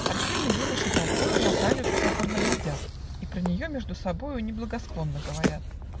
Архивны юноши толпою На Таню чопорно глядят И про нее между собою Неблагосклонно говорят.